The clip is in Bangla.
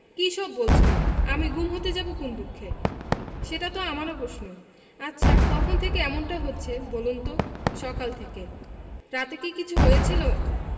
কী সব বলছেন আমি গুম হতে যাব কোন দুঃখে সেটা তো আমারও পশ্ন আচ্ছা কখন থেকে এমনটা হচ্ছে বলুন তো সকাল থেকে রাতে কি কিছু হয়েছিল